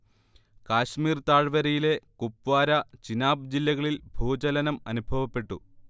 കാശ്മീർ താഴ്വരയിലെ കുപ്വാര, ചിനാബ് ജില്ലകളിൽ ഭൂചലനം അനുഭവപ്പെട്ടു